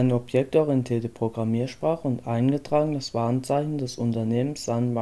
objektorientierte Programmiersprache und eingetragenes Warenzeichen des Unternehmens Sun